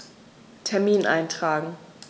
Termin eintragen